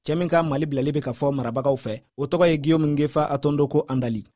cɛ min ka mali bilali bɛ ka fɔ marabagaw fɛ o tɔgɔ ye guillaume ngefa-atondoko andali